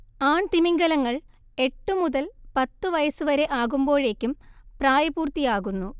ആൺതിമിംഗിലങ്ങൾ എട്ടു മുതൽ പത്ത് വയസ്സുവരെ ആകുമ്പോഴേക്കും പ്രായപൂർത്തിയാകുന്നു